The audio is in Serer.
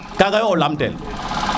kaga yo o lam teel